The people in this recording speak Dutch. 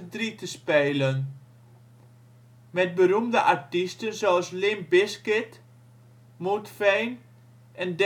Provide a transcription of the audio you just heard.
spelen, met beroemde artiesten zoals Limp Bizkit, Mudvayne en Deftones